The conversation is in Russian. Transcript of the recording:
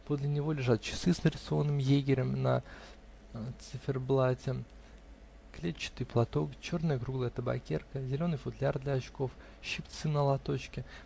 подле него лежат часы с нарисованным егерем на циферблате, клетчатый платок, черная круглая табакерка, зеленый футляр для очков, щипцы на лоточке.